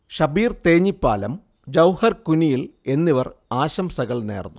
ഷബീർ തേഞ്ഞിപ്പലം, ജൌഹർ കുനിയിൽ എന്നിവർ ആശംസകൾ നേർന്നു